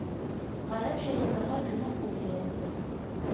Гарәпчә язарга мине ул өйрәтте